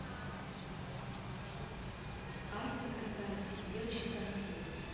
artik and asti девочка танцует